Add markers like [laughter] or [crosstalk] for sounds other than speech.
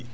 [hesitation] [hesitation]